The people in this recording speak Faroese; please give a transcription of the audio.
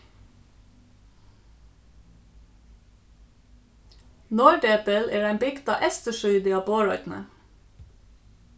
norðdepil er ein bygd á eystursíðuni á borðoynni